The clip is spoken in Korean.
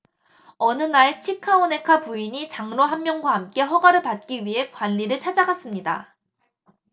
어느 날 치카오네카 부인이 장로 한 명과 함께 허가를 받기 위해 관리를 찾아갔습니다